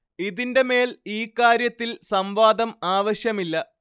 ഇതിന്റെ മേൽ ഈ കാര്യത്തിൽ സംവാദം ആവശ്യമില്ല